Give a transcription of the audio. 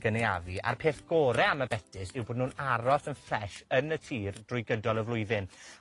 gynaeafu. A'r peth gore am y betys yw bo' nw'n aros yn ffres yn y tir drwy gydol y flwyddyn.